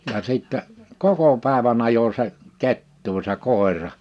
ja sitten koko päivän ajoi se kettua se koira